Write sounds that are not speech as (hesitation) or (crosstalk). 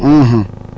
(hesitation) (hesitation)